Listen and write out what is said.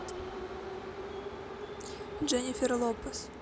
дженифер лопес